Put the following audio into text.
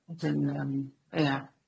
Wedyn, yym, ia.